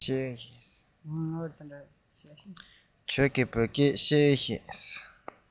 ཁྱེད རང བོད སྐད ཤེས ཀྱི ཡོད པས